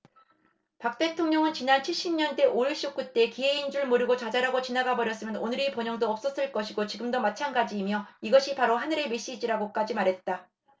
박 대통령은 지난 칠십 년대 오일쇼크 때 기회인 줄 모르고 좌절하고 지나가버렸으면 오늘의 번영도 없었을 것이고 지금도 마찬가지이며 이것이 바로 하늘의 메시지라고까지 말했다